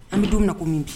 An bɛ don min na komi bi